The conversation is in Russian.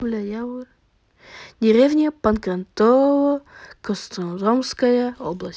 деревня панкратово костромская область